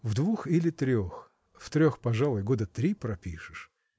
— В двух или трех: в трех — пожалуй, года три пропишешь!